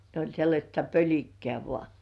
ne oli sellaista pölikkää vain